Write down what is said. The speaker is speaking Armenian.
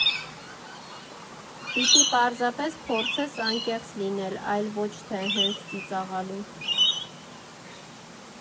Պիտի պարզապես փորձես անկեղծ լինել, այլ ոչ թե հենց ծիծաղալու։